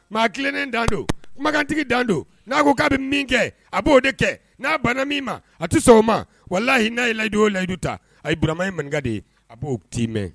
Maa kelennen dan don kumakantigi dan don n'a ko k'a bɛ min kɛ a b'o de kɛ n'a bana min ma a tɛ sɔn o ma wa lahiina ye layidu oo layidu ta a ye bura ye manka de ye a b'o t'i mɛn